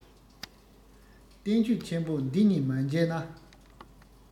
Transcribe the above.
བསྟན བཅོས ཆེན པོ འདི གཉིས མ མཇལ ན